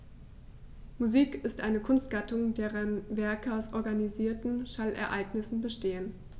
Musik ist eine Kunstgattung, deren Werke aus organisierten Schallereignissen bestehen.